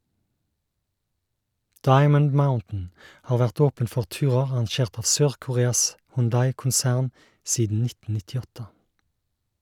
Diamond Mountain har vært åpen for turer arrangert av Sør-Koreas Hyundai-konsern siden 1998.